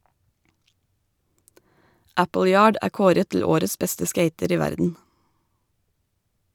Appleyard er kåret til årets beste skater i verden.